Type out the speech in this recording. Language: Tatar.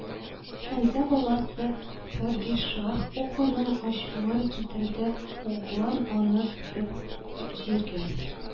Фәнзә баласы падишаһ углының ачуын китерде, углан аны тотып җиргә